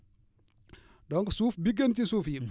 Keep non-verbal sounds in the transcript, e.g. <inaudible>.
<breath> donc suuf bi gën ci suuf yi